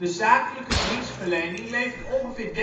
zakelijke dienstverlening levert ongeveer